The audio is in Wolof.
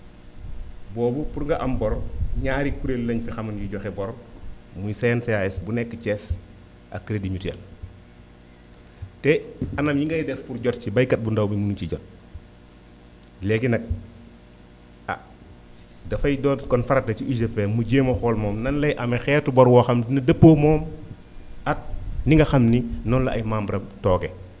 boobu pour nga am bor ñaari kuréel lañ fi xamoon yuy joxe bor muy CNCAS bu nekk Thiès ak crédit mutuelle te anam yi ngay def pour jot si baykat bu ndaw bi mënu csi jot léegi nag ah dafay doon kon farata ci UGPM mu jéem a xool moom nan lay amee xeetu bor boo xam dina dëppoo moom ak ni nga xam ni noonu la ay membres am toogee